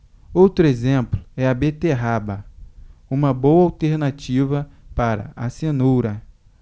outro exemplo é a beterraba uma boa alternativa para a cenoura